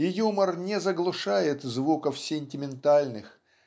и юмор не заглушает звуков сентиментальных